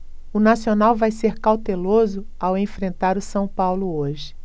o nacional vai ser cauteloso ao enfrentar o são paulo hoje